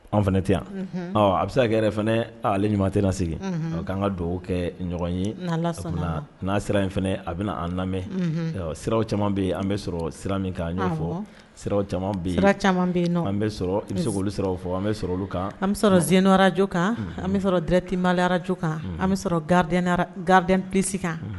An fana tɛ yan a bɛ se kɛ yɛrɛ fana ale ɲuman tɛ sigi ka an ka dugawu kɛ ɲɔgɔn ye n' sira in fana a bɛna an lamɛn sira caman bɛ yen an bɛ sɔrɔ sira min ka ɲɔgɔn fɔ sira caman bɛ yen sira caman bɛ yen an bɛ sɔrɔ i bɛ se' olu sɔrɔ o fɔ an bɛ sɔrɔ kan an bɛ sɔrɔ zenra jɔ kan an bɛ sɔrɔ dtimayarara jɔ kan an bɛ sɔrɔ garid garidsi kan